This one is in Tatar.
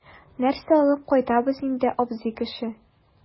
Нәрсә алып кайтабыз инде, абзый кеше?